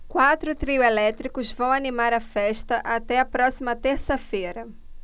quatro trios elétricos vão animar a festa até a próxima terça-feira